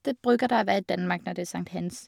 Det bruker det å være i Danmark når det er sankthans.